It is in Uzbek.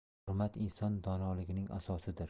hurmat inson donoligining asosidir v